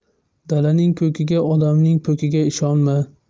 dalaning ko'kiga odamning po'kiga ishonma